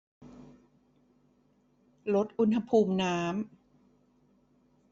ลดอุณหภูมิน้ำ